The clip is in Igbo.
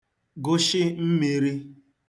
gụshị mmīrī